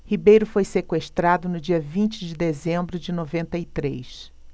ribeiro foi sequestrado no dia vinte de dezembro de noventa e três